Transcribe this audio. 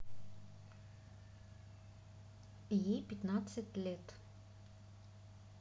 ей пятнадцать лет